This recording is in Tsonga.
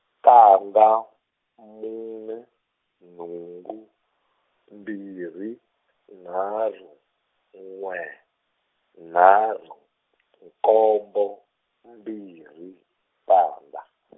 tandza mune nhungu mbirhi nharhu n'we nharhu nkombo mbirhi tandza.